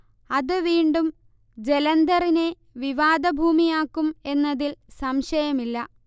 അത് വീണ്ടും ജലന്ധറിനെ വിവാദഭൂമിയാക്കും എന്നതിൽ സംശയമില്ല